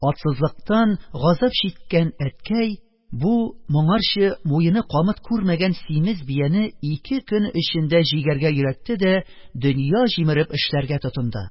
Атсызлыктан газап чиккән әткәй бу, моңарчы муены камыт күрмәгән симез бияне ике көн эчендә җигәргә өйрәтте дә, дөнья җимереп эшләргә тотынды.